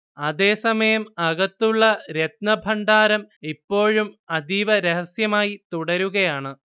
അതേസമയം, അകത്തുള്ള രത്നഭണ്ഡാരം ഇപ്പോഴും അതീവ രഹസ്യമായി തുടരുകയാണ്